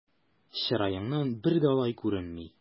Чыраеңнан бер дә алай күренми!